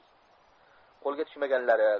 qo'lga tushmaganlari